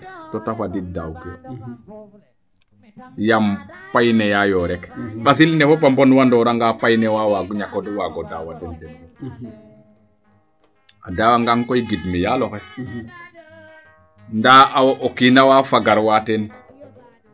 to te fadiid daaw kino yaam payne yaayo rek mbasil ne fop a mbon wa ndoranga payne waa waago ñako daaa den den tout a daawa ngan koy gidmi yaaloxe ndaa o kiina waa fagar waa teen